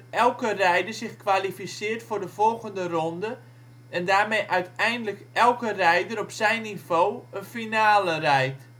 elke rijder zich kwalificeert voor de volgende ronde en daarmee uiteindelijk elke rijder op zijn niveau een finale rijdt